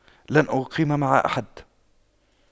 لن أقيم مع أحد